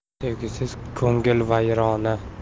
sevgisiz ko'ngil vayrona